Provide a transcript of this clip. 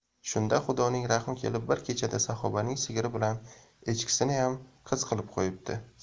shunda xudoning rahmi kelib bir kechada saxobaning sigiri bilan echkisiniyam qiz qilib qo'yibdi